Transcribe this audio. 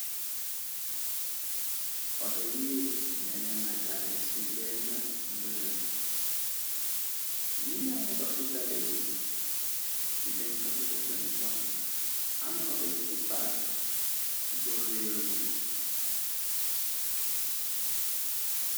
Auto yi dene nagaré ci bénn berep, ni ñangi dox ci talé bi, di dém tabuto sanu soxla, amn auto yunu paak ci boori yoon bi.